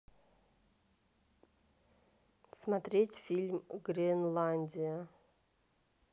смотреть фильм гренландия